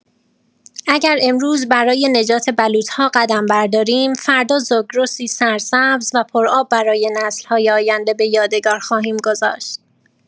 اگر امروز برای نجات بلوط‌ها قدم برداریم، فردا زاگرسی سرسبز و پرآب برای نسل‌های آینده به یادگار خواهیم گذاشت.